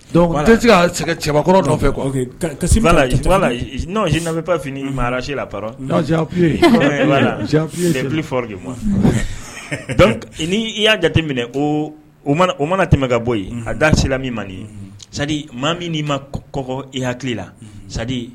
Dɔnku tɛ se cɛbakɔrɔ dɔ nɔfɛ kasi n'oinaf i arasi la n i y'a jate minɛ o o mana tɛmɛ ka bɔ yen a dasila min man nin maa min ni'i ma kɔ i hakili la sa